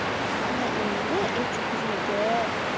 ana endi etik bizniki